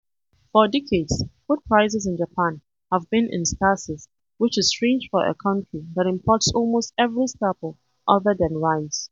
For decades food prices in Japan have been in stasis, which is strange for a country that imports almost every staple other than rice.